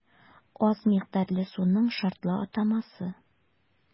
Аз микъдарлы суның шартлы атамасы.